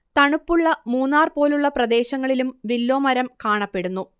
തണുപ്പുള്ള മൂന്നാർ പോലുള്ള പ്രദേശങ്ങളിലും വില്ലൊ മരം കാണപ്പെടുന്നു